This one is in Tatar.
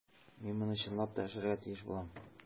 Мин моны чынлап та эшләргә тиеш булам.